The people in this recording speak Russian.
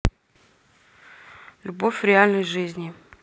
любовь в реальной жизни